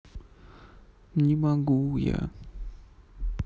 не могу я